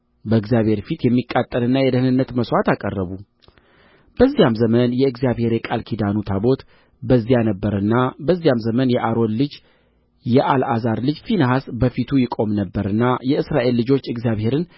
በእግዚአብሔር ፊት የሚቃጠልና የደኅንነት መሥዋዕት አቀረቡ በዚያም ዘመን የእግዚአብሔር የቃል ኪዳኑ ታቦት በዚያ ነበረና በዚያም ዘመን የአሮን ልጅ የአልዓዛር ልጅ ፊንሐስ በፊቱ ይቆም ነበርና የእስራኤል ልጆች እግዚአብሔርን